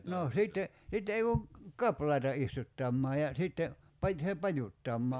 no sitten sitten ei kun kaplaita istuttamaan ja sitten - se pajuttamaan